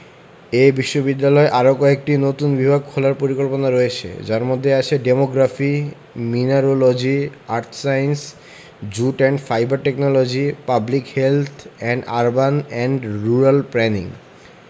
এই বিশ্ববিদ্যালয়ের আরও কয়েকটি নতুন বিভাগ খোলার পরিকল্পনা আছে যার মধ্যে আছে demography mineralogy earth science jute and fibre technology public health এবং আরবান অ্যান্ড রুরাল প্ল্যানিং